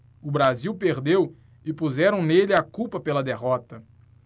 o brasil perdeu e puseram nele a culpa pela derrota